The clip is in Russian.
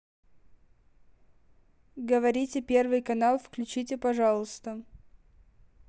говорите первый канал включите пожалуйста